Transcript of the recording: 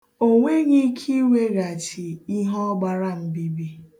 O nweghị ike iweghachi ihe ọ gbara mbibi.